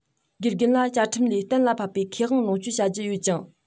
དགེ རྒན ལ བཅའ ཁྲིམས ལས གཏན ལ ཕབ པའི ཁེ དབང ལོངས སྤྱོད བྱ རྒྱུ ཡོད ཅིང